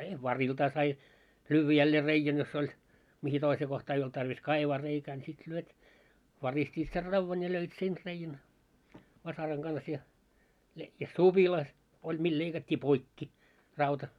ja variltaan sai lyödä jälleen reiän jos oli mihin toiseen kohtaan ei ollut tarve kaivaa reikää niin sitten lyöt varistivat sen raudan ja löivät sen reiän vasaran kanssa ja - ja supila oli millä leikattiin poikki rauta